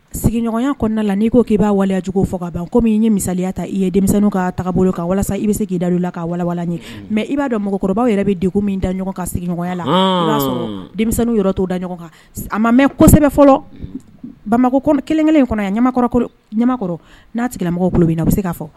Sigiɲɔgɔnya kɔnɔna la n'i ko k'i'a waliyajucogo fɔ ka bɛn ko min i ye misaliya ta i ye dɛ ka taga bolo kansa i bɛ se k'i da la ka walilan n ɲɛ mɛ i b'a dɔn mɔgɔkɔrɔba yɛrɛ bɛ de min da ɲɔgɔn ka sigiɲɔgɔnya la yɔrɔ' da ɲɔgɔn kan a ma mɛn kosɛbɛ fɔlɔ bamakɔ kelenkelen in kɔnɔ yan ɲamakɔrɔ ɲamakɔrɔ n'a tilamɔgɔ bolo bɛ na a bɛ se k'a fɔ